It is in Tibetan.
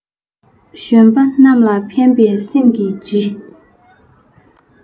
གཞོན པ རྣམས ལ ཕན པའི སེམས ཀྱིས འབྲི